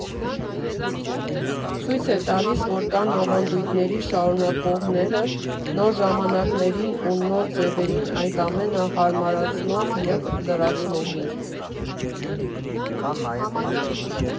Ցույց է տալիս, որ կան ավանդույթների շարունակողները, նոր ժամանակներին ու նոր ձևերին այդ ամենը հարմարեցնողներ և լրացնողներ։